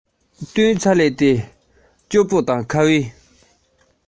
ཡང ཡང བྱིལ བྱས བྱུང